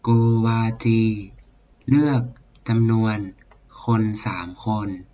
โกวาจีเลือกจำนวนคนสามคน